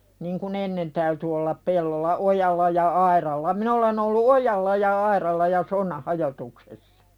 niin kun ennen täytyi olla pellolla ojalla ja aidalla minä olen ollut ojalla ja aidalla ja sonnan hajotuksessa